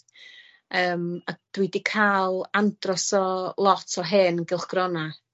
Yym a dwi 'di ca'l andros o lot o hen gylchgrona.